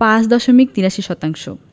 ৫ দশমিক ৮৩ শতাংশ